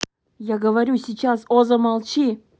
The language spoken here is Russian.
я говорю сейчас о замолчи